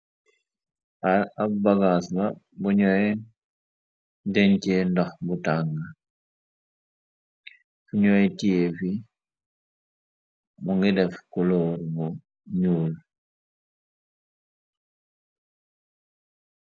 Ab bagaas la buñooy deñcee ndoh bu tàng, fuñooy tiefi mu ngi def kuloor nu ñuul.